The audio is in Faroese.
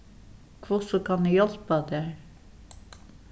hvussu kann eg hjálpa tær